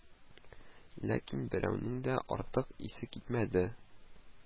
Ләкин берәүнең дә артык исе китмәде